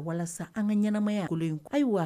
Walasa an ka ɲɛnaɛnɛmaya kolon in ayiwa